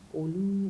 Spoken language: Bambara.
Olu